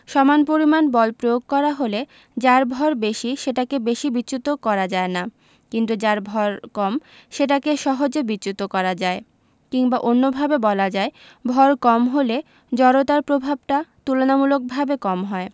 সমান পরিমাণ বল প্রয়োগ করা হলে যার ভর বেশি সেটাকে বেশি বিচ্যুত করা যায় না কিন্তু যার ভয় কম সেটাকে সহজে বিচ্যুত করা যায় কিংবা অন্যভাবে বলা যায় ভর কম হলে জড়তার প্রভাবটা তুলনামূলকভাবে কম হয়